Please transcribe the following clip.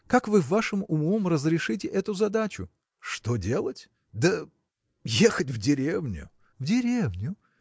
Как вы вашим умом разрешите эту задачу? – Что делать? Да. ехать в деревню. – В деревню!